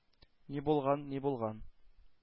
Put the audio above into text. -ни булган, ни булган...